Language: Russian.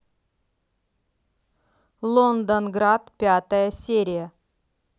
лондонград пятая серия